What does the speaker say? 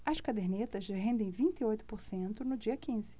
as cadernetas rendem vinte e oito por cento no dia quinze